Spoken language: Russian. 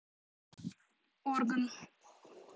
орган